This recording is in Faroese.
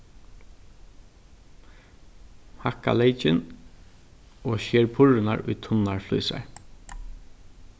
hakka leykin og sker purrurnar í tunnar flísar